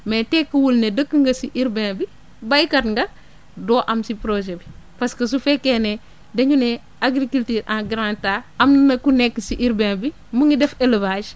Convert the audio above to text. mais tekkiwul ne dëkk nga si urbain bi baykat nga doo am si projet bi parce que su fekkee ne dañu ne agriculture en grand A am na ku nekk si urbain bi mu ngi def élevage